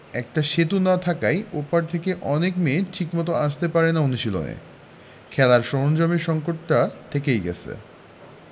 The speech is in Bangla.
একটা সেতু না থাকায় ও পার থেকে অনেক মেয়ে ঠিকমতো আসতে পারে না অনুশীলনে খেলার সরঞ্জামের সংকটটা থেকেই গেছে